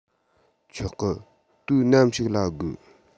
ཆོག གི དུས ནམ ཞིག ལ དགོས